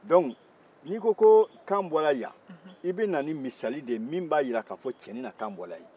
dɔnku ni ko ko kan bɔra yan i bɛ na nin misali de ye min b'a jira ko tiɲɛni na ko kan bɔra yen